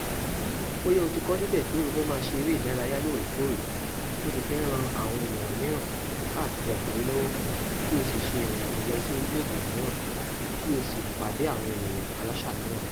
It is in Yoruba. Bóyá o ti kọ síbẹ̀ pé o fẹ́ máa ṣe eré ìdárayá lóòrèkóòrè, o sì fẹ́ ran àwọn ènìyàn mìíràn káàkiri àgbáyé lọ́wọ́, kí o sì ṣe ìrìn àjò lọ sí orílẹ̀ èdè mìíràn, kí o sì pàdé àwọn ènìyàn Aláṣà mìíràn.